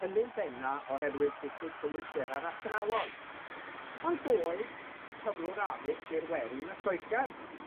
hynny'n benna oherwydd diffyg cymwystera'r athrawon, ond doedd cyflwr addysg i'r Werin yn Lloegar,